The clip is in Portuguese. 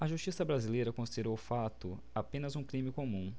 a justiça brasileira considerou o fato apenas um crime comum